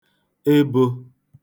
ebō